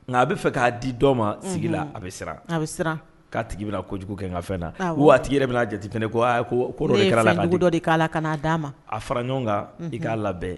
Nka a bɛa fɛ k'a di dɔ ma sigi la a bɛ siran a bɛ k'a tigi na kojugu kɛ n ka fɛn na waati yɛrɛ bɛna jatete ne ko ko kɛra la dɔ de k'a la ka n'a d'a ma a fara ɲɔgɔn kan i k'a labɛn